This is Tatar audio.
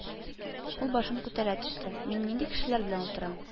Ул башын күтәрә төште: «Мин нинди кешеләр белән утырам